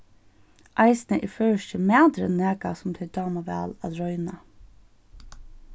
eisini er føroyski maturin nakað sum tey dáma væl at royna